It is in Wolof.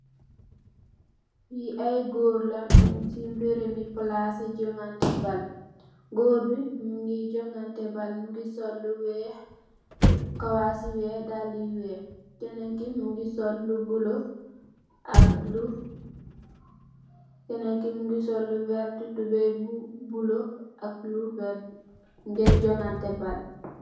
Yii ay goor leuh, nyungsi mberemi palasi jonganteh bal. Goorbi mungi jonganteh bal, mu ngi sol lu wekh, kawas yu wekh, dal yu wekh. Kenen kii, mungi sol lu buleuh ak lu. Kenen kii, mungi sol lu werta tuboy bu buleuh ak lu werta nyu ngeh jonganteh bal.